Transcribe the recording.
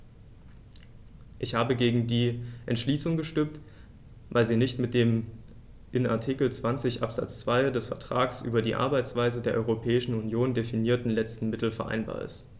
Ich habe gegen die Entschließung gestimmt, weil sie nicht mit dem in Artikel 20 Absatz 2 des Vertrags über die Arbeitsweise der Europäischen Union definierten letzten Mittel vereinbar ist.